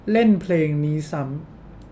เล่นเพลงนี้ซ้ำ